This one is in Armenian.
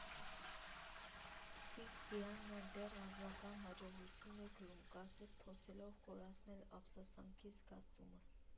Իսկ Դիանան դեռ անձնական հաղորդագրություն է գրում՝ կարծես փորձելով խորացնել ափսոսանքի զգացումս.